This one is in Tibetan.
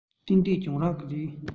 ཏན ཏན གྱོང རག གི རེད